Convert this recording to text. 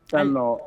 ' nɔ